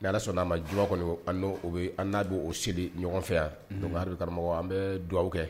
Ni Ala sɔn n'a ma juma kɔnni a n'o bɛ an n'a bɛ o seli ɲɔgɔn fɛ yan. Unhun! Donc hali bi karamɔgɔ an bɛ duwaw kɛ.